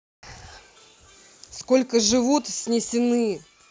сколько живут снесены